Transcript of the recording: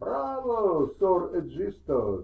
Браво, сор Эджисто!